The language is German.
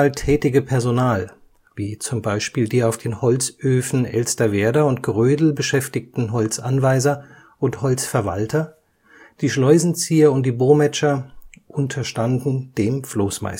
tätige Personal, wie zum Beispiel die auf den Holzhöfen Elsterwerda und Grödel beschäftigten Holzanweiser und - verwalter, die Schleusenzieher und die Bomätscher, unterstand dem Floßmeister